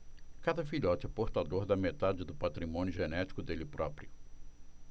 cada filhote é portador da metade do patrimônio genético dele próprio